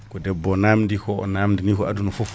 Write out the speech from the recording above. ko debbo o namdi ko o namdani ko adouna foof